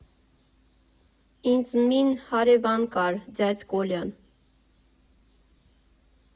Ինձ մին հըրևվան կար, ձյաձ Կոլյան։